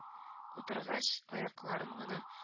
Утыргач аякларын гына